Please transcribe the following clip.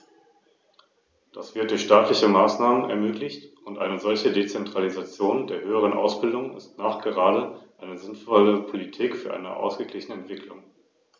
Zu den Worten von Herrn Swoboda über die Tätigkeit des CEN möchte ich sagen, dass wir sie drängen, ihre Arbeit maximal zu beschleunigen, denn es wäre dramatisch, wenn wir trotz der neuen Frist nach etwas mehr als einem Jahr vor den gleichen Schwierigkeiten stehen würden, weil die Arbeiten nicht zum Abschluss gebracht wurden.